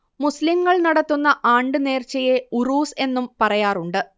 മുസ്ലിംകൾ നടത്തുന്ന ആണ്ട് നേർച്ചയെ ഉറൂസ് എന്നും പറയാറുണ്ട്